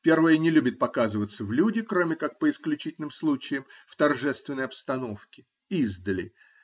Первое не любит показываться в люди, кроме как по исключительным случаям, в торжественной обстановке, издали